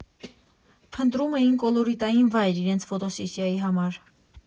Փնտրում էին կոլորիտային վայր իրենց ֆոտոատելյեի համար։